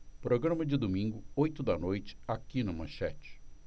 programa de domingo oito da noite aqui na manchete